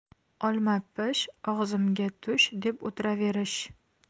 olma pish og'zimga tush deb o'tiraverish